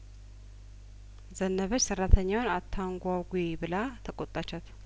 ዘነበች ሰራተኛዋን አታንጓጉ ብላ ተቆጣቻት